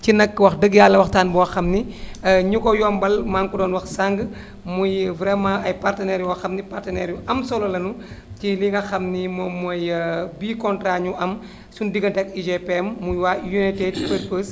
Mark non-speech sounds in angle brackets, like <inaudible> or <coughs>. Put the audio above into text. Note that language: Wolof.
ci nag wax dëgg yàlla waxtaan boo xam ni <breath> éni ko yombal maa ngi ko doon wax saànq muy vraiment ay partenaires yoo xam ne partenaire yu am solo lanu <breath> ci li nga xam ni moom mooy <hesitation> bii contrat ñu am sunu diggante ak UGPM muy waa <coughs> united purpose